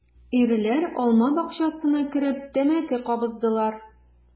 Ирләр алма бакчасына кереп тәмәке кабыздылар.